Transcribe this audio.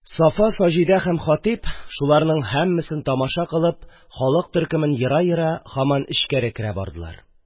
Сафа, Саҗидә һәм Хатип, шуларның һәммәсен тамаша кылып, халык төркемен ера-ера һаман эчкәре керә бардылар.